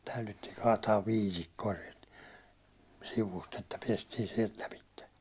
täydyttiin kaataa viitikkoa sieltä sivusta että päästiin sieltä läpi